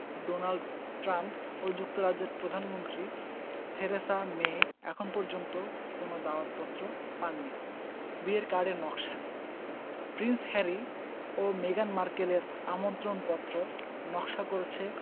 Donald Trump ও যুক্তরাজ্যের প্রধানমন্ত্রী থেরেসা মে এখন পর্যন্ত কোনো দাওয়াতপত্র পাননি বিয়ের কার্ডের নকশা প্রিন্স হ্যারি ও মেগান মার্কেলের আমন্ত্রণপত্র নকশা করছে